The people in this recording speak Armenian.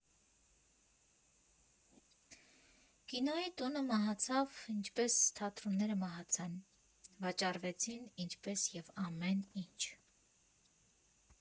«Կինոյի տունը մահացավ, ինչպես թատրոնները մահացան, վաճառվեցին՝ ինչպես և ամեն ինչ։